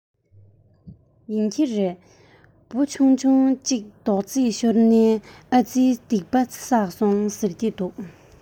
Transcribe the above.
ཡིན གྱི རེད འབུ ཆུང ཆུང ཅིག རྡོག རྫིས ཤོར ནའི ཨ རྩི སྡིག པ བསགས སོང ཟེར གྱི འདུག